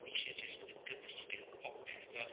Ni isie jyst y gymysgedd, popeth timod.